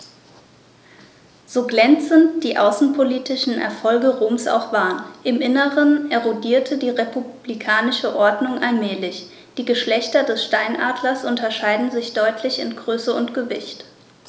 So glänzend die außenpolitischen Erfolge Roms auch waren: Im Inneren erodierte die republikanische Ordnung allmählich. Die Geschlechter des Steinadlers unterscheiden sich deutlich in Größe und Gewicht.